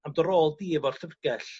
am dy rôl di efo'r llyfrgell